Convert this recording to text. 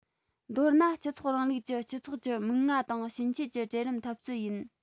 མདོར ན སྤྱི ཚོགས རིང ལུགས སྤྱི ཚོགས ཀྱི མིག སྔ དང ཕྱིན ཆད ཀྱི གྲལ རིམ འཐབ རྩོད ཡིན